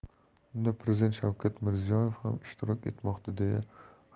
unda prezident shavkat mirziyoyev ham ishtirok etmoqda